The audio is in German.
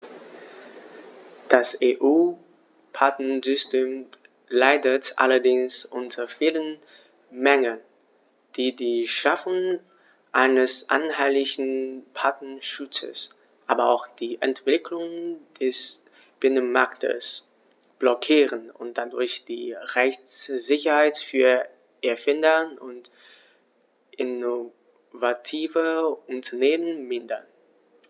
Das EU-Patentsystem leidet allerdings unter vielen Mängeln, die die Schaffung eines einheitlichen Patentschutzes, aber auch die Entwicklung des Binnenmarktes blockieren und dadurch die Rechtssicherheit für Erfinder und innovative Unternehmen mindern.